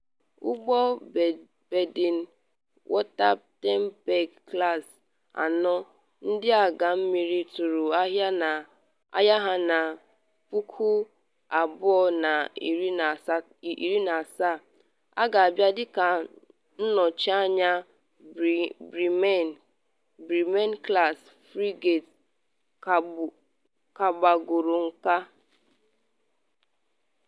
Ụgbọ Baden-Wuerttemberg-class anọ Ndị Agha Mmiri tụrụ ahịa ya na 2007 ga-abịa dịka nnọchi anya Bremen-class frigate kabagoro nka.